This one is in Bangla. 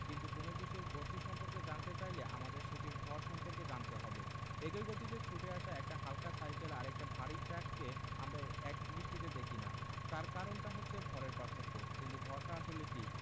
কিন্তু কোনো কিছুর গতি সম্পর্কে জানতে চাইলে আমাদের সেটির ভর সম্পর্কে জানতে হয় একই গতিতে ছুটে আসা একটা হালকা সাইকেল আর একটা ভারী ট্রাককে আমরা একদৃষ্টিতে দেখি না তার কারণটা হচ্ছে ভরের পার্থক্য কিন্তু ভরটা আসলে কী